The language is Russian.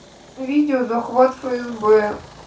видео захват фсб